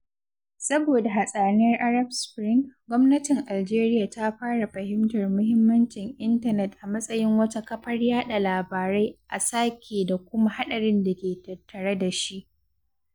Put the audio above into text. Saboda hatsaniyar Arab Spring, gwamnatin Aljeriya ta fara fahimtar muhimmancin Intanet a matsayin wata kafar yaɗa labarai a sake da kuma haɗarin da ke tattare da shi.